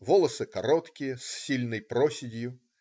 Волосы короткие, с сильной проседью.